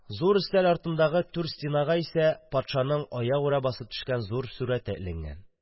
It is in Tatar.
Зур өстәл артындагы түр стенага исә патшаның аягүрә басып төшкән зур сүрәте эленгән.